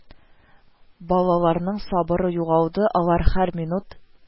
Балаларның сабыры югалды, алар һәр минут: